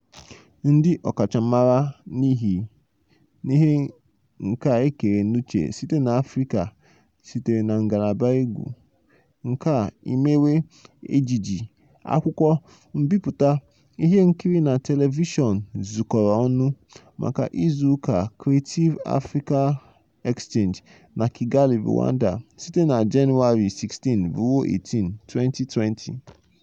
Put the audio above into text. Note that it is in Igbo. Ndị ọkachamara n'ihe nka ekere uche sitere na Afrịka sitere na ngalaba egwu, nka, imewe, ejiji, akwụkwọ, mbipụta, ihe nkiri na telivishọn zukọrọ ọnụ maka izu ụka Creative Africa Exchange na Kigali, Rwanda, site na Jenụwarị 16 ruo 18, 2020.